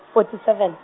fourty seven.